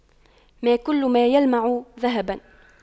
ما كل ما يلمع ذهباً